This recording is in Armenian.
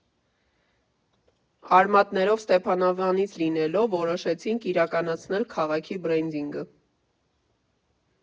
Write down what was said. Արմատներով Ստեփանավանից լինելով, որոշեցինք իրականացնել քաղաքի բրենդինգը։